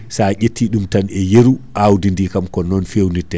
sa ƴetti ɗum tan e yeeru awdidi kam ko non fewnirte